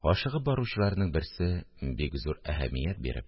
Ашыгып баручыларның берсе, бик зур әһәмият биреп: